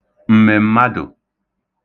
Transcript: m̀mèmmadụ̀